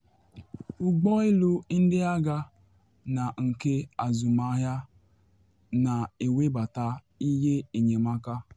Ụgbọ elu ndị agha na nke azụmahịa na ewebata ihe enyemaka.